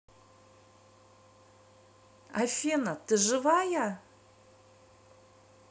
афина ты живая